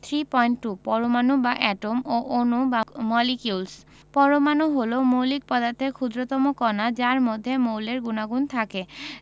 3.2 পরমাণু বা এটম ও অণু বা মলিকিউলস পরমাণু হলো মৌলিক পদার্থের ক্ষুদ্রতম কণা যার মধ্যে মৌলের গুণাগুণ থাকে